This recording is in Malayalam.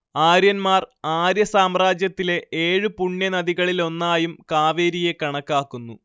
ആര്യന്മാർ ആര്യസാമ്രാജ്യത്തിലെ ഏഴു പുണ്യ നദികളിലൊന്നായും കാവേരിയെ കണക്കാക്കുന്നു